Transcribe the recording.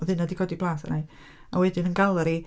Oedd hynna 'di codi blas arna i, a wedyn yn Galeri...